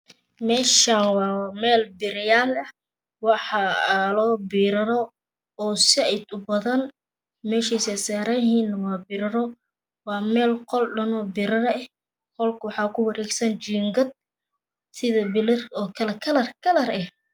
Meeshaan waa meel birayaal ah waxa aaal biraro oo said ubadan mesha ay sasaran yihiin waa biraro meel qol ah oo biraro eh qolka waxabku waregsan biraro sida bilad kalar kalar eh